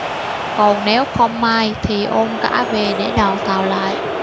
còn nếu không may thì ôm cả về để đào tạo lại